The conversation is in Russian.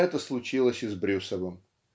Это случилось и с Брюсовым.